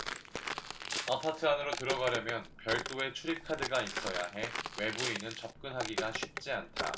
아파트 안으로 들어가려면 별도의 출입카드가 있어야 해 외부인은 접근하기가 쉽지 않다